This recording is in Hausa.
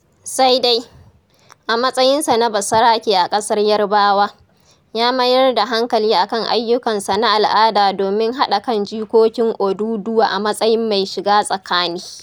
Sai dai, a matsayinsa na basarake a ƙasar Yarbawa, ya mayar da hankali a kan ayyukansa na al'ada domin haɗa kan jikokin Odùduwa a matsayin mai shiga tsakani.